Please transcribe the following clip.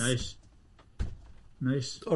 Neis, neis.